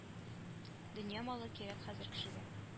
Дөнья малы кирәк хәзер кешегә